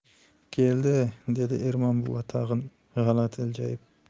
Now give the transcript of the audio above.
keldi dedi ermon buva tag'in g'alati iljayib